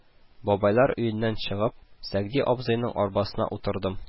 Бабайлар өеннән чыгып, Сәгъди абзыйның арбасына утырдым